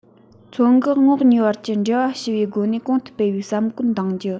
མཚོ འགག ངོགས གཉིས བར གྱི འབྲེལ བ ཞི བའི སྒོ ནས གོང དུ སྤེལ བའི བསམ བཀོད འདིང རྒྱུ